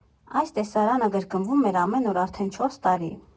Այս տեսարանը կրկնվում էր ամեն օր արդեն չորս տարի։